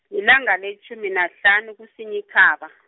lilanga letjhumi nahlanu kuSinyikhaba .